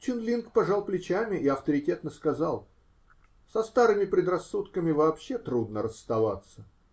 Чун-Линг пожал плечами и авторитетно сказал: -- Со старыми предрассудками вообще трудно расставаться.